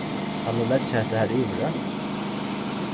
kann eg leggja hetta har yviri